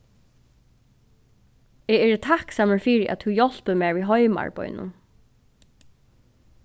eg eri takksamur fyri at tú hjálpir mær við heimaarbeiðinum